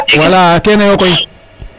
wala kene yo koy